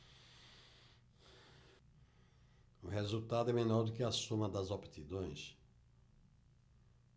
o resultado é menor do que a soma das aptidões